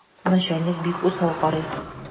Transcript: Начальник бик усал карый.